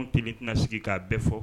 N kelen tɛna sigi k'a bɛɛ fɔ.